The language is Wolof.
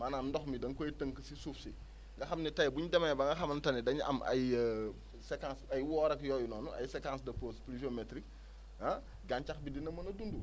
maanaam ndox mi da nga koy tënk si suuf si nga xam ne tey bu ñu demee ba nga xamante ne dañu am ay séquences ay woor ak yooyu noonu ay séquences de pauses pluviométries ah gàncax bi dina mën a dund